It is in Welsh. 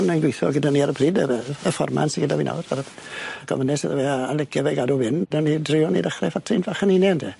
...yn gweitho gyda ni ar y pryd yr yy y fforman sy gyda fi nawr o'dd gofynes iddo fe a a licio fe gadw fynd. Newn ni drio ni dechre ffatri'n fach yn 'unan de?